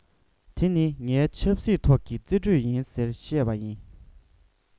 དེ ནི ངའི ཆབ སྲིད ཐོག གི རྩིས སྤྲོད ཡིན ཟེར བཤད པ ཡིན